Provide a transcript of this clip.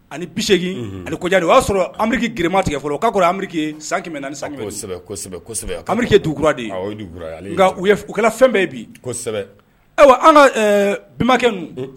Ani 80 ni kɔdian o y'a sɔrɔ Ameiriki gere ma tigɛ fɔlɔ k'akɔrɔ Ameriki ye san 400 san 500 kɔsɛbɛ kɔsɛbɛ, Ameriki ye dugukura de ye, awɔ, ale ye dugukura de ye nka u kɛra fɛn bɛɛ ye bin, kɔsɛbɛ, ayiwa, an ka ɛɛ bɛnbakɛ ninnu